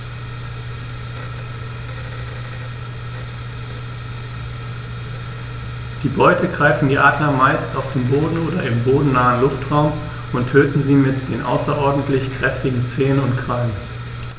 Die Beute greifen die Adler meist auf dem Boden oder im bodennahen Luftraum und töten sie mit den außerordentlich kräftigen Zehen und Krallen.